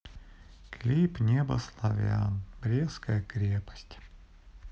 клип небо славян брестская крепость